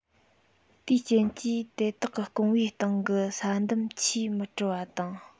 དེའི རྐྱེན གྱིས དེ དག གི རྐང བའི སྟེང གི ས འདམ ཆུས མི བཀྲུ བ དང